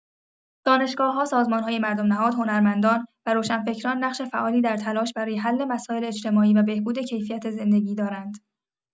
دانشگاه‌‌ها، سازمان‌های مردم‌نهاد، هنرمندان و روشنفکران نقش فعالی در تلاش برای حل مسائل اجتماعی و بهبود کیفیت زندگی دارند.